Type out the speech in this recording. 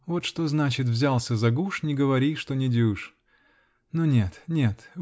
-- Вот что значит: взялся за гуж -- не говори, что не дюж. Но нет, нет.